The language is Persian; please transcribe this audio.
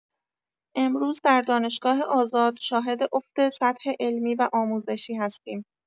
امروز در دانشگاه آزاد شاهد افت سطح علمی و آموزشی هستیم